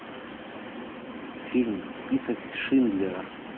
фильм список шиндлера